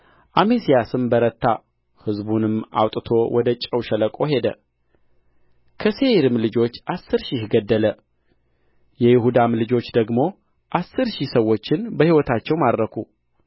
አሜስያስም በረታ ሕዝቡንም አውጥቶ ወደ ጨው ሸለቆ ሄደ ከሴይርም ልጆች አሥር ሺህ ገደለ የይሁዳም ልጆች ደግሞ አሥር ሺህ ሰዎችን በሕይወታቸው ማረኩ